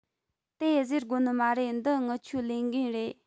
དེ ཟེར དགོ ནི མ རེད འདི ངི ཆོའི ལས འགན རེད